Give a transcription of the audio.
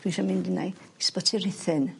Dwi isio mynd i neu- i sbyty Rhuthun.